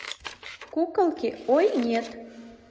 куколки ой нет